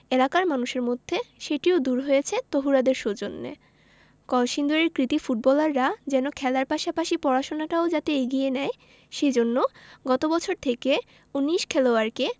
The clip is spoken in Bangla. এলাকার মানুষের মধ্যে সেটিও দূর হয়েছে তহুরাদের সৌজন্যে কলসিন্দুরের কৃতী ফুটবলাররা যেন খেলার পাশাপাশি পড়াশোনাটাও যাতে এগিয়ে নেয় সে জন্য গত বছর থেকে ১৯ খেলোয়াড়কে